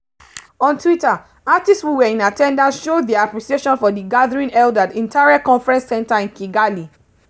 On Twitter, artists who were attendance showed their appreciation for the gathering held at Intare conference center in Kigali: